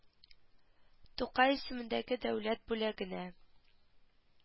Тукай исемендәге дәүләт бүләгенә